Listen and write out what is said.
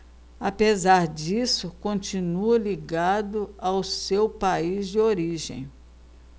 apesar disso continua ligado ao seu país de origem